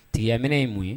Tigaminɛ ye mun ye